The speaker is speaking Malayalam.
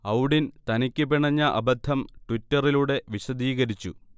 ഔഡിൻ തനിക്ക് പിണഞ്ഞ അബദ്ധം ട്വിറ്ററിലൂടെ വിശദീകരിച്ചു